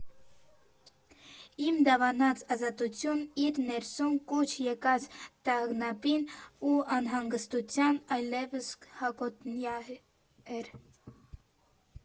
Իմ դավանած ազատությունն իր ներսում կուչ եկած տագնապին ու անհանգստությանն այլևս հակոտնյա էր։